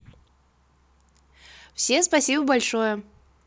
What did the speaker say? все спасибо большое